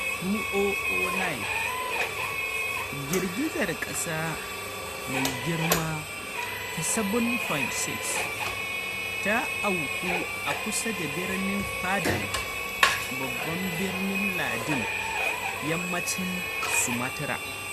2009: Girgizar kasa mai girma ta 7.6 ta auku a kusa da birnin Padang, babban birnin lardin yammacin Sumatra.